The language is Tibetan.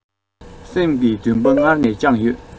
སེམས ཀྱི འདུན པ སྔར ནས བཅངས ཡོད